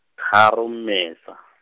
tharo Mmesa.